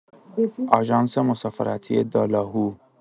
آژانس مسافرتی دالاهو؟!